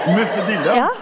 Moffedilla?